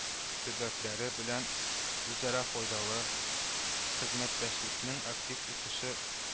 Төбәкләре белән үзара файдалы хезмәттәшлекнең актив үсеше